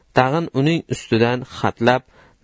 tag'in uning ustidan hatlab